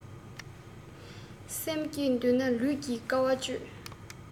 སེམས སྐྱིད འདོད ན ལུས ཀྱི དཀའ བ སྤྱོད